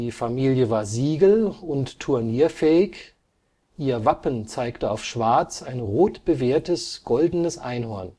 Familie war siegel - und turnierfähig, ihr Wappen zeigte auf Schwarz ein rotbewehrtes goldenes Einhorn